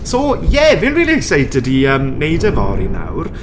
So ie fi'n really excited i yym wneud e fory nawr.